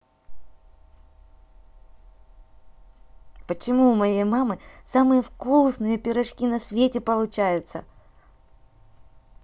почему у моей мамы самые вкусные пирожки на свете получается